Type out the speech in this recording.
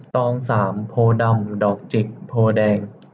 ตองสามโพธิ์ดำดอกจิกโพธิ์แดง